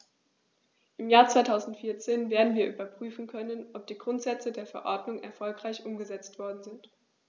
Im Jahr 2014 werden wir überprüfen können, ob die Grundsätze der Verordnung erfolgreich umgesetzt worden sind.